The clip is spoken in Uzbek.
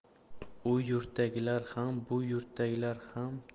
u yurtdagilar ham bu yurtdagilar ham